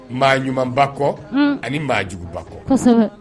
Maa ɲumanbakɔ ani maajugubakɔ